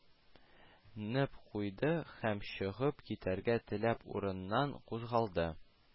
Неп куйды һәм, чыгып китәргә теләп, урыннан кузгалды